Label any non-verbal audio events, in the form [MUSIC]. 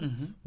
[HESITATION] [HESITATION]